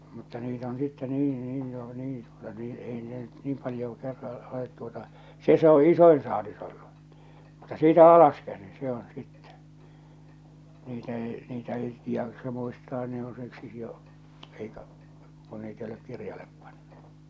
mutta niitä on sitten niin niin jo niin tuota niin ei ne nyt niin paljoa - olet tuota se se on isoin saalis ollut mutta siitä alaskäsin se on sitten niitä ei niitä ei jaksa muistaa ne on siksi jo aikaa kun niitä ei ole kirjalle pantu